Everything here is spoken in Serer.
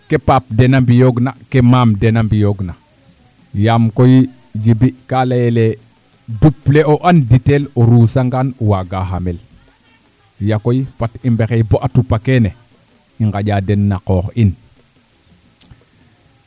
ke paap dena mbiyoogna ke Mame dena mbiyoogna yaam koy Djiby ka layel ee dup le o anditel o ruusangaan waaga xamel yagkoy fat i mbexey boo a tup a keene a nqaƴa den na qoox in